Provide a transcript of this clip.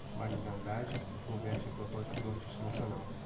mário de andrade o converte em protótipo do artista nacional